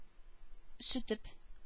Сүтеп